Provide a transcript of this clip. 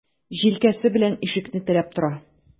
Җилкәсе белән ишекне терәп тора.